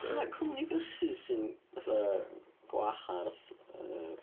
Pa cwmni bwsys sy'n fatha gwahardd yy?